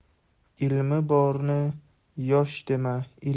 ilmi borni yosh dema